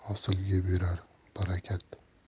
hosilga berar barakat